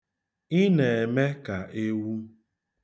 Ị na-eme ka ewu.